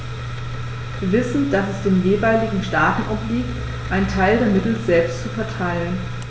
Wir wissen, dass es den jeweiligen Staaten obliegt, einen Teil der Mittel selbst zu verteilen.